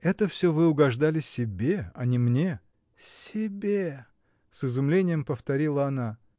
— Это всё вы угождали себе, а не мне! — Себе! — с изумлением повторила она.